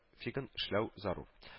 Графигын эшләү зарур